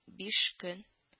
Биш көн